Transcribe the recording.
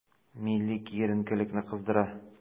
Милли киеренкелекне кыздыра.